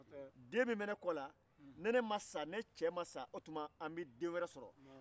ni ne ma sa ne cɛ ma sa an be den wɛrɛ sɔrɔ